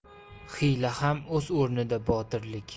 hiyla ham o'z o'rnida botirlik